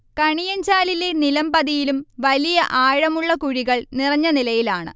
കണിയഞ്ചാലിലെ നിലംപതിയിലും വലിയ ആഴമുള്ള കുഴികൾ നിറഞ്ഞനിലയിലാണ്